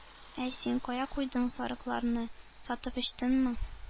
— әй син, кая куйдың сарыкларны? сатып эчтеңме?